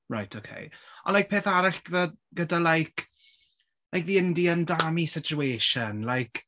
Right, okay. A like peth arall gyda gyda like like the India and Dami situation like...